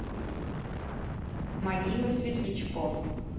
могила светлячков